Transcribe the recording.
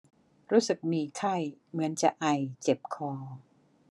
รู้สึกมีไข้เหมือนจะไอเจ็บคอ